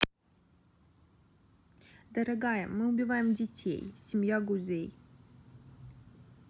дорогая мы убиваем детей семья гузей